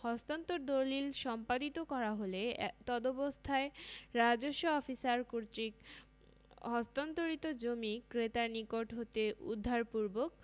হস্তান্তর দলিল সম্পাদিত করা হলে তদবস্থায় রাজস্ব অফিসার কর্তৃক হস্তান্তরিত জমি ক্রেতার নিকট হতে উদ্ধারপূর্বক